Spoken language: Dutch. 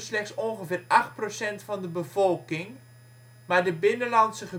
van de bevolking, maar de binnenlandse